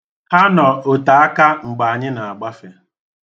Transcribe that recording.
Ha nọ otaaka mgbe anyị na-agbafe.